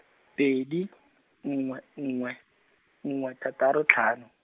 pedi , nngwe nngwe, nngwe thataro tlhano.